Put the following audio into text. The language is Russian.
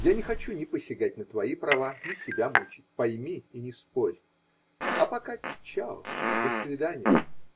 Я не хочу ни посягать на твои права, ни себя мучить. Пойми и не спорь. А пока -- "чао", до свидания.